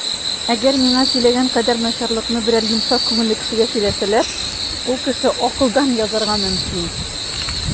Әгәр миңа сөйләгән кадәр начарлыкны берәр йомшак күңелле кешегә сөйләсәләр, ул кеше акылдан язарга мөмкин.